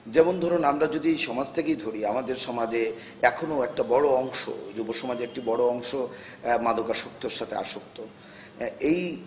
যেমন ধরুন আমরা যদি সমাজ থেকে ধরি আমাদের সমাজে এখনো একটা বড় অংশ যুব সমাজের একটা বড় অংশ মাদকাসক্তির সাথে আসক্ত এই